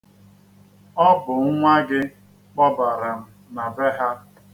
Ọ bụ nnwa gị kpọbara m na be ha.